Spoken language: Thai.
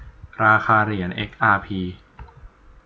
ราคาเหรียญเอ็กอาร์พี